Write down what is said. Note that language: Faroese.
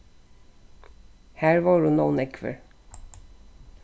har vóru nóg nógvir